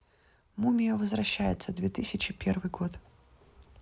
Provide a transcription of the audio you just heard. мумия возвращается две тысячи первый год